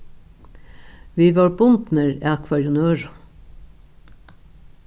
vit vóru bundnir at hvørjum øðrum